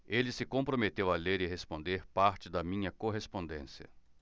ele se comprometeu a ler e responder parte da minha correspondência